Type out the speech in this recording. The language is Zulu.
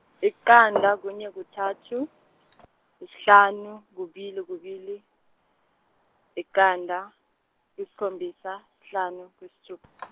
yiqanda kunye kuthatu, isihlanu, kubili kubili, yiqanda, isikhombisa, isihlanu isithupa.